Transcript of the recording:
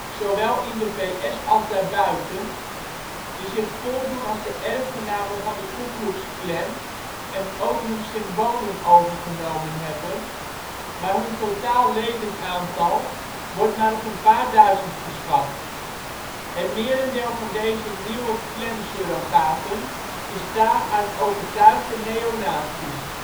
zowel in de VS als daarbuiten - die zich voordoen als de erfgenamen van de Ku Klux Klan en ook hun symbolen overgenomen hebben, maar hun totaal ledenaantal wordt maar op een paar duizend geschat. Het merendeel van deze nieuwe Klansurrogaten bestaat uit overtuigde neonazi 's